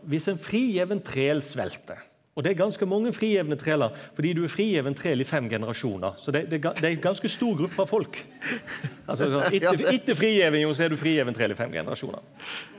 viss ein frigjeven træl svelt og det er ganske mange frigjevne trælar fordi du er frigjeven træl i fem generasjonar så det det er det er ein ganske stor gruppe folk, altså etter frigjeringa så er du frigjeven træl i fem generasjonar.